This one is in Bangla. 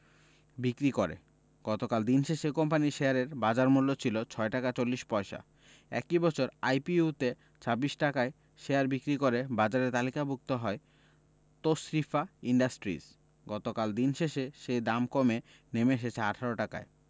বিক্রি করে গতকাল দিন শেষে এ কোম্পানির শেয়ারের বাজারমূল্য ছিল ৬ টাকা ৪০ পয়সা একই বছর আইপিওতে ২৬ টাকায় শেয়ার বিক্রি করে বাজারে তালিকাভুক্ত হয় তশরিফা ইন্ডাস্ট্রিজ গতকাল দিন শেষে সেই দাম কমে নেমে এসেছে ১৮ টাকায়